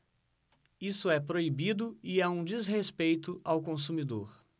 isso é proibido e é um desrespeito ao consumidor